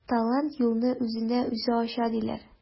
Талант юлны үзенә үзе ача диләр.